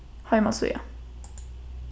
heimasíða